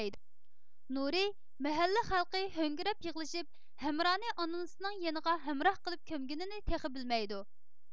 نۇرى مەھەللە خەلقى ھۆڭگىرەپ يىغلىشىپ ھەمرانى ئانىسىنىڭ يېنىغا ھەمراھ قىلىپ كۆمگىنىنى تېخى بىلمەيدۇ